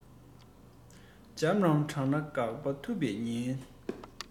འཇམ རང དྲགས ན འགག པ ཐུག པའི ཉེན